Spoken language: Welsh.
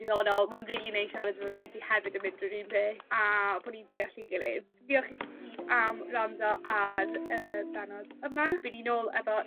diddorol ma'n rili neis siarad efo rywun sy hefyd yn mynd drw'r un peth a bo' ni'n deall 'yn gilydd. Diolch i chi gyd am wrando ar y benod yma. By' ni nôl efo